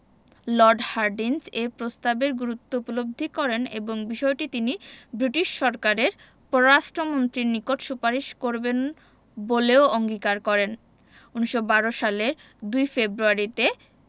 Lord Hardinge এ প্রস্তাবের গুরুত্ব উপলব্ধি করেন এবং বিষয়টি তিনি ব্রিটিশ সরকারের পররাষ্ট্র মন্ত্রীর নিকট সুপারিশ করবেন বলেও অঙ্গীকার করেন ১৯১২ সালের ২ ফেব্রুয়ারিতে